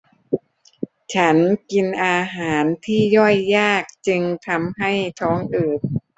ฉันกินอาหารที่ย่อยยากจึงทำให้ท้องอืด